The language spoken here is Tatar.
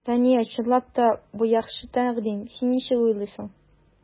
Дания, чынлап та, бу яхшы тәкъдим, син ничек уйлыйсың?